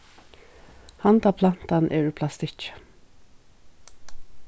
handan plantan er úr plastikki